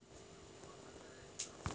алиса включи детский фильм